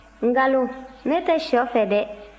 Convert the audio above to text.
nkalon ne tɛ shɔ fɛ dɛ